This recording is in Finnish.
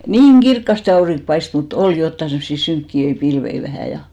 niin kirkkaasti aurinko paistoi mutta oli jotakin semmoisia synkeitä pilviä vähän ja